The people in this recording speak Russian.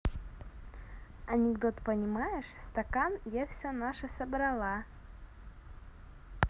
анекдот понимаешь стакан я все наше собрала